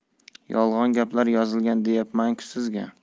yolg'on gaplar yozilgan deyapman ku sizga